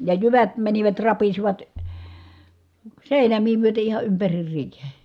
ja jyvät menivät rapisivat seinämiä myöten ihan ympäri riihen